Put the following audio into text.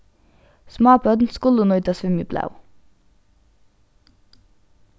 smábørn skulu nýta svimjiblæu